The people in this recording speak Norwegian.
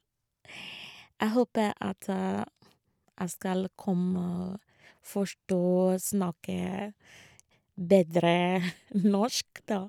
Jeg håper at jeg skal komme forstå, snakke bedre norsk, da.